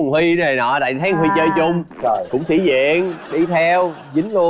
của huy này nọ là em thấy huy chơi chung cũng sĩ diện đi theo dính luôn